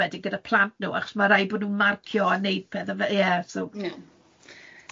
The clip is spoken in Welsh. wedyn gyda plant nhw, achos mae rhaid bod nhw'n marcio a wneud pethau fe- ie so...